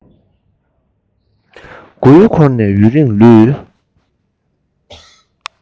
མགོ ཡུ འཁོར ནས ཡུན རིང ལུས